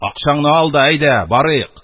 Акчаңны ал да әйдә барыйк...